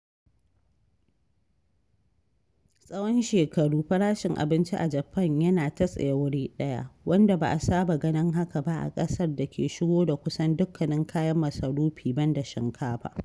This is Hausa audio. Tsawon shekaru, farashin abinci a Japan yana ta tsaye wuri ɗaya, wanda ba a saba ganin haka ba a ƙasar da ke shigo da kusan dukkanin kayan masarufi banda shinkafa.